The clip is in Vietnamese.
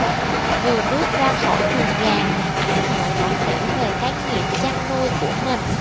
vừa bước ra khỏi chuồng gà anh hợi đã kể về cái nghiệp chăn nuôi của mình